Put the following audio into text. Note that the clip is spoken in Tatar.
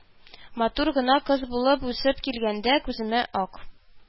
– матур гына кыз булып үсеп килгәндә, күземә ак